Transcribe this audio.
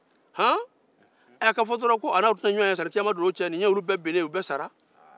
k'a fo dɔrɔn ko a ni aw tɛna ɲɔgɔn ye sani kiyama jɔdon cɛ ni y'olu bɛɛ salen ye